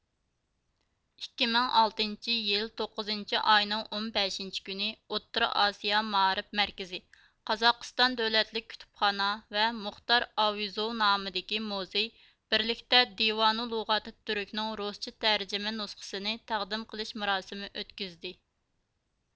ئىككى مىڭ ئالتىنچى يىل توققۇزىنچى ئاينىڭ ئون بەشىنچى كۈنى ئوتتۇرا ئاسىيا مائارىپ مەركىزى قازاقىستان دۆلەتلىك كۇتۇپخانا ۋە مۇختار ئاۋىزوۋ نامىدىكى مۇزېي بىرلىكتە دىۋانۇ لۇغاتىت تۈركنىڭ رۇسچە تەرجىمە نۇسخىسىنى تەقدىم قىلىش مۇراسىمى ئۆتكۈزدى